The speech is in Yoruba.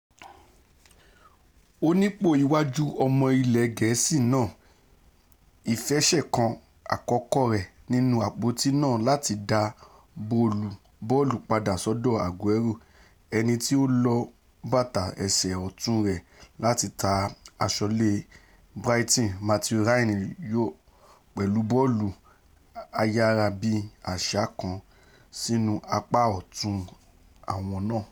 Onípò-iwájú ọmọ ilẹ̀ Gẹ̀ẹ́sì náà ìfẹsẹ̀kàn àkọ́kọ́ rẹ̀ nínú apoti náà láti dá bọ́ọ̀lù padà sọ́dọ̀ Aguero, ẹniti ó lo bàtà ẹsẹ̀ ọ̀tún rẹ̀ láti ta aṣọ́lé Brighton Mathew Ryan yọ pẹ̀lú bọ́ọ̀lù ayárabí-àṣá kan sínú apá ọ̀tún àwọn náà.